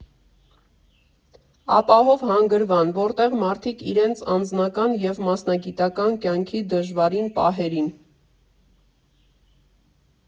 Ապահով հանգրվան, որտեղ մարդիկ իրենց անձնական և մասնագիտական կյանքի դժվարին պահերին։